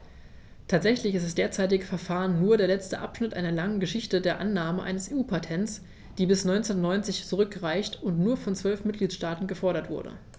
Tatsächlich ist das derzeitige Verfahren nur der letzte Abschnitt einer langen Geschichte der Annahme eines EU-Patents, die bis 1990 zurückreicht und nur von zwölf Mitgliedstaaten gefordert wurde.